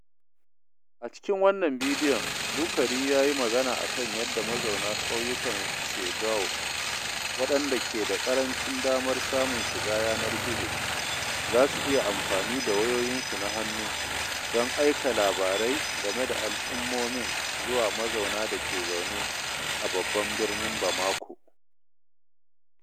A cikin wannan bidiyon, Boukary ya yi magana kan yadda mazauna ƙauyukan Ségou, waɗanda ke da ƙarancin damar samun shiga yanar gizo, za su iya amfani da wayoyin su na hannu don aika labarai game da al’ummomin zuwa mazauna da ke zaune a babban birnin Bamako.